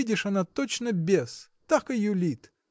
видишь, она точно бес – так и юлит.